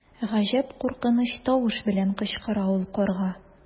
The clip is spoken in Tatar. Гаҗәп куркыныч тавыш белән кычкыра ул карга.